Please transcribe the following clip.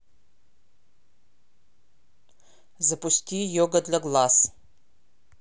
запусти йога для глаз